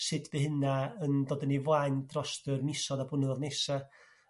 sut bu hynna yn dod yn 'i flaen drost yr misoedd a blynyddo'dd nesaf.